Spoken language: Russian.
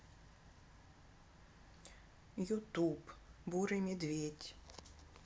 ютуб бурый медведь